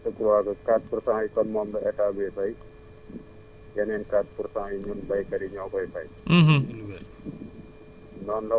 te huit pour cent yi da nga koy xaajale te kon avec quatre pour cent yi kon moom la état biy fay yeneen quatre pour cent yi ñun baykat yi ñoo koy fay